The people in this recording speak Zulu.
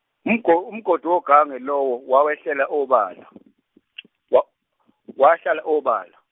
umgo- umgodi wogange lowo wawehlela obala, wa- wahlala obala.